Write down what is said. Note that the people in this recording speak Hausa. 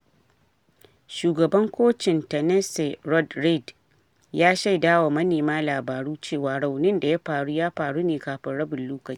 Shugaban kocin Tennessee Rod Reed ya shaida wa manema labaru cewa raunin da ya faru ya faru ne kafin rabin lokaci.